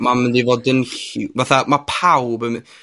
Ma'n mynd i fod yn ll-... Fatha ma' pawb yn my-...